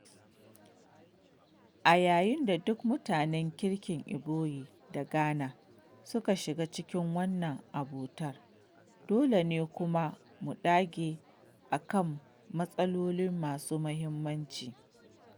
A yayin da duk mutanen kirkin Ivory da Ghana suka shiga cikin wannan abotar, dole ne kuma mu dage a kan mas'aloli masu muhimmanci.